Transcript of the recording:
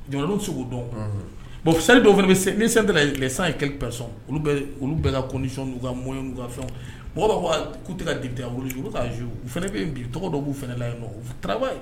Jamanadenw ti se k'o dɔn o unhun bon f salle dɔw fana bɛ sɛn ni sɛn tɛ na ye les 100 et quelques personnes olu bɛ y olu bɛɛ ka condition n'u ka moyen n'u ka fɛnw mɔgɔw b'a fɔ aa k'u te ka député a rôle jouer u be k'a jouer o u fɛnɛ be ye bi tɔgɔ dɔ b'u fana la yen nɔ u f travaillent